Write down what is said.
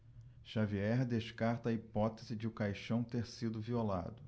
xavier descarta a hipótese de o caixão ter sido violado